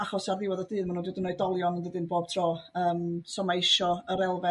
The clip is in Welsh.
achos ar ddiwedd y dydd ma' n'wn mynd i fod yn oedolion yn dydyn? Bob tro yym so ma' isio yr elfen